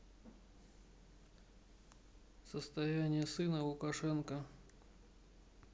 состояние сына лукашенко